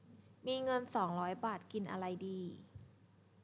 มีเงินสองร้อยบาทกินอะไรดี